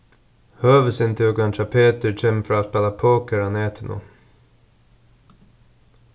høvuðsinntøkan hjá peturi kemur frá at spæla poker á netinum